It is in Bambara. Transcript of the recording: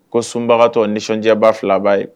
Ko sunbagatɔ nisɔndiyaba filaba ye